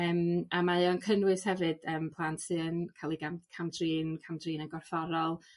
yym a mae o'n cynnwys hefyd yym plant sy yn ca'l 'u gam- camtrin, camtrin yn gorfforol